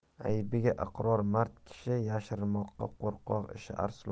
aybiga iqror mard kishi yashirmoq qo'rqoq ishi